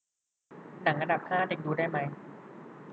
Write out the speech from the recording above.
หนังอันดับห้าเด็กดูได้ไหม